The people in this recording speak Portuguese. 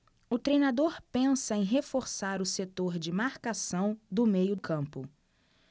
o treinador pensa em reforçar o setor de marcação do meio campo